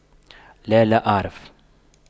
لا لا أعرف